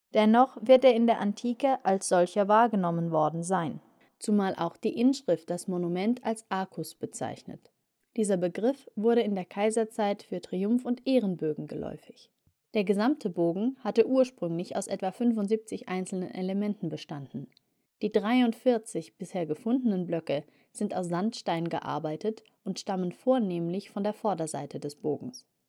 Dennoch wird er in der Antike als solcher wahrgenommen worden sein, zumal auch die Inschrift das Monument als arcus bezeichnet. Dieser Begriff wurde in der Kaiserzeit für Triumph - bzw. Ehrenbögen geläufig. Der gesamte Bogen hatte ursprünglich aus etwa 75 einzelnen Elementen bestanden. Die 43 bisher gefundenen Blöcke sind aus Sandstein gearbeitet und stammen vornehmlich von der Vorderseite des Bogens